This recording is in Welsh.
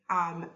am